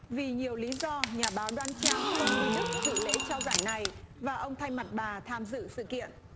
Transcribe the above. vì nhiều lý do nhà báo đoan trang không đi đức dự lễ trao giải này và ông thay mặt bà tham dự sự kiện